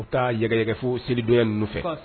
U taa ygɛfo selidonya fɛ